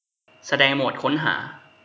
แสดงโหมดค้นหา